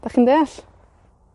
'Dach chi'n deall?